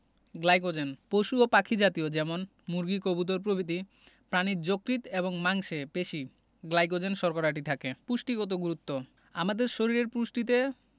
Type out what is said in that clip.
glycogen পশু ও পাখি জাতীয় যেমন মুরগি কবুতর প্রভৃতি প্রাণীর যকৃৎ এবং মাংসে পেশি গ্লাইকোজেন শর্করাটি থাকে পুষ্টিগত গুরুত্ব আমাদের শরীরের পুষ্টিতে